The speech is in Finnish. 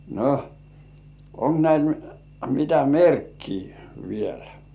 no onko näillä mitä merkkiä vielä